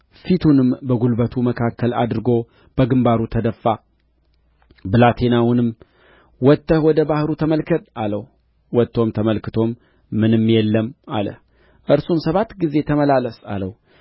ፊቱንም በጕልበቱ መካከል አድርጎ በግምባሩ ተደፋ ብላቴናውንም ወጥተህ ወደ ባሕሩ ተመልከት አለው ወጥቶም ተመልክቶም ምንም የለም አለ እርሱም ሰባት ጊዜ ተመላለስ አለው